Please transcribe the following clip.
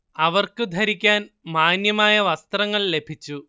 അവർക്കു ധരിക്കാൻ മാന്യമായ വസ്ത്രങ്ങൾ ലഭിച്ചു